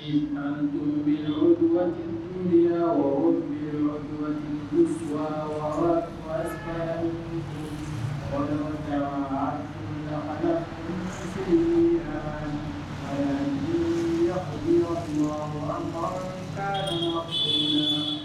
Miniyan yokuma yo wase wagɛnin yo yo mɔ yo